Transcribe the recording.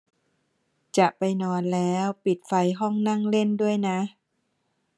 จะไปนอนแล้วปิดไฟห้องนั่งเล่นด้วยนะ